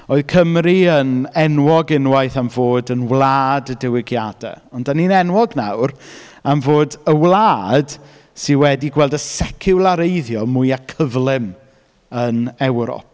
Oedd Cymru yn enwog unwaith am fod yn wlad y diwygiadau, ond dan ni'n enwog nawr am fod y wlad sy wedi gweld y seciwlareiddio mwyaf cyflym yn Ewrop.